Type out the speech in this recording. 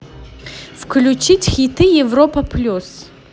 включить хиты европа плюс